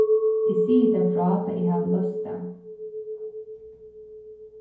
eg sigi tær frá tá eg havi loyst tað